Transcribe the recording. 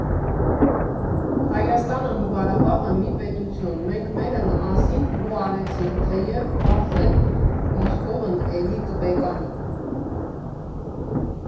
Հայաստանն ու Ղարաբաղը՝ մի պետություն, մենք մերն ասինք ու արեցինք, թեև պարզ էր՝ Մոսկովն էլի կբեկանի։